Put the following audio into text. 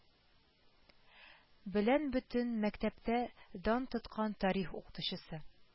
Белән бөтен мәктәптә дан тоткан тарих укытучысы